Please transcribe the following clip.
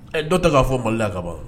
Dɔ ta k'a fɔ maliya kaban